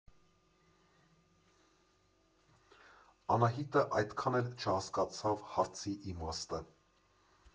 Անահիտը այդքան էլ չհասկացավ հարցի իմաստը։